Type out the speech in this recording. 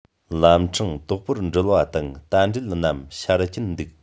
ལམ འཕྲང དོག པོར འགྲུལ པ དང རྟ དྲེལ རྣམས གཤར གྱིན འདུག